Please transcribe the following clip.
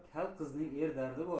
kal qizning er dardi bor